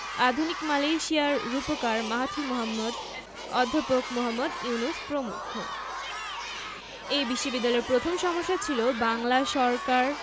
আধুনিক মালয়েশিয়ার রূপকার মাহাথির মোহাম্মদ অধ্যাপক মুহম্মদ ইউনুস প্রমুখ এ বিশ্ববিদ্যালয়ের প্রথম সমস্যা ছিল বাংলা সরকার